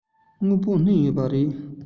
དངོས པོ བསྣན ཡོད པ རེད